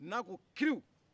n'a ko kiriiuuu